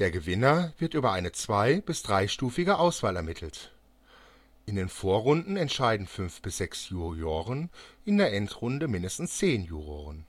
Gewinner wird über eine zwei - bis dreistufige Auswahl ermittelt. In den Vorrunden entscheiden 5 bis 6 Juroren, in der Endrunde mindestens 10 Juroren